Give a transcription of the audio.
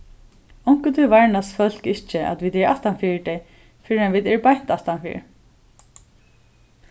onkuntíð varnast fólk ikki at vit eru aftanfyri tey fyrr enn vit eru beint aftanfyri